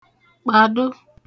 kpàdo